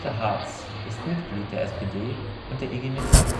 Hartz ist Mitglied der SPD und der IG Metall